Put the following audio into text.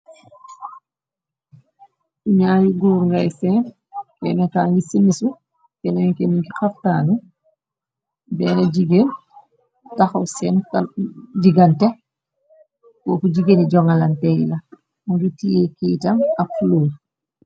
Njari Goor ngay sane kene kangi simesu kene kangi xaftanu bena jigen taxaw sen digante kocu jigen ni jongante kat Yi la mungi teya ki tamit ak xoulo